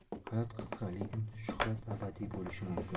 hayot qisqa lekin shuhrat abadiy bo'lishi mumkin